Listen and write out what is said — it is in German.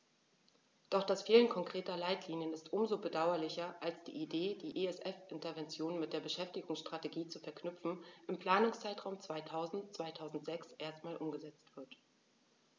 Doch das Fehlen konkreter Leitlinien ist um so bedauerlicher, als die Idee, die ESF-Interventionen mit der Beschäftigungsstrategie zu verknüpfen, im Planungszeitraum 2000-2006 erstmals umgesetzt wird.